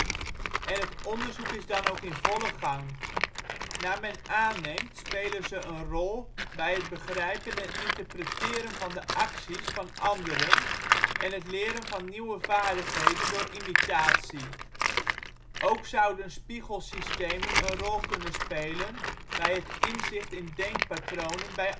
en het onderzoek is dan ook in volle gang. Naar men aanneemt spelen ze een rol bij het begrijpen en interpreteren van de acties van anderen en het leren van nieuwe vaardigheden door imitatie. Ook zouden spiegelsystemen een rol kunnen spelen bij het inzicht in denkpatronen bij